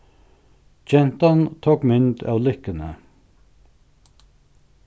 gentan tók mynd av likkuni